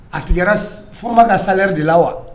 A tigɛra s Fɔnba ka salaire de la wa